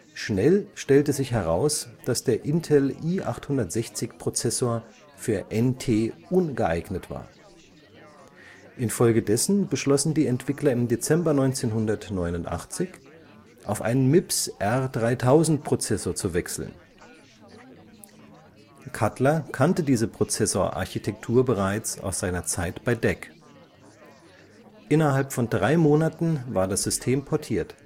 Schnell stellte sich heraus, dass der Intel i860-Prozessor für NT ungeeignet war. Infolgedessen beschlossen die Entwickler im Dezember 1989 auf einen MIPS R3000-Prozessor zu wechseln; Cutler kannte diese Prozessorarchitektur bereits aus seiner Zeit bei DEC. Innerhalb von drei Monaten war das System portiert